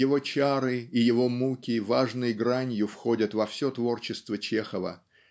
его чары и его муки важной гранью входят во все творчество Чехова